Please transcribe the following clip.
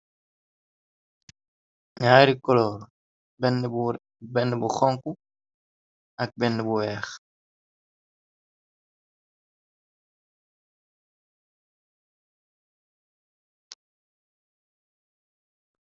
ngaaricolor bend bu xonku ak bend bu weex